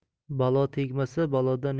balo tegmasa baloda